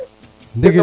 ndigil